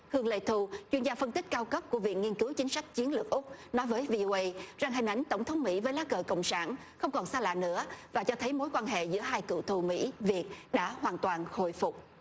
hương lê thu chuyên gia phân tích cao cấp của viện nghiên cứu chính sách chiến lược úc nói với vi ô ây rằng hình ảnh tổng thống mỹ với lá cờ cộng sản không còn xa lạ nữa và cho thấy mối quan hệ giữa hai cựu thù mỹ việt đã hoàn toàn hồi phục